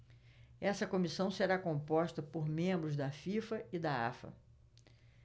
essa comissão será composta por membros da fifa e da afa